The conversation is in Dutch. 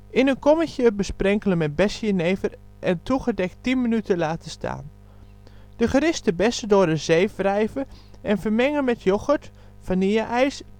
In een kommetje besprenkelen met de bessenjenever en toegedekt 10 minuten laten staan. De geriste bessen door een zeef wrijven en vermengen met yoghurt, vanille-ijs